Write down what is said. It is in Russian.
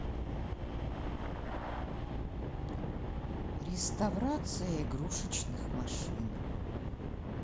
реставрация игрушечных машин